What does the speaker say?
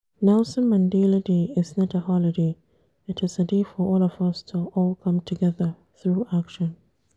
Nelson Mandela Day is not a holiday – it is a day for all of us to all come together through action.